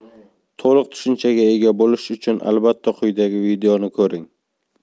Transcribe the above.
to'liq tushunchaga ega bo'lish uchun albatta quyidagi videoni ko'ring